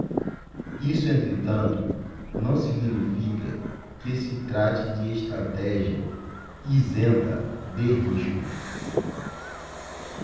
isso entretanto não significa que se trate de estratégia isenta de riscos